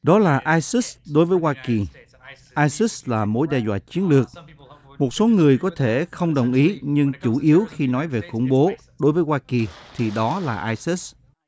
đó là ai sứt đối với hoa kỳ ai sứt là mối đe dọa chiến lược một số người có thể không đồng ý nhưng chủ yếu khi nói về khủng bố đối với hoa kỳ thì đó là ai sứt